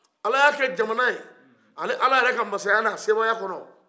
ala y'a kɛ jamana ye ale ala yɛrɛ ka mansaya n'a ka sebaaya kɔnɔ